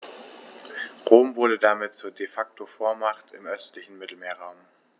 Rom wurde damit zur ‚De-Facto-Vormacht‘ im östlichen Mittelmeerraum.